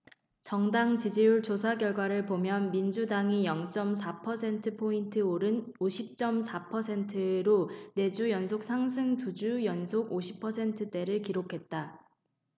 정당 지지율 조사결과를 보면 민주당이 영 쩜 사 퍼센트포인트 오른 오십 쩜 사 퍼센트로 네 주 연속 상승 두 주 연속 오십 퍼센트대를 기록했다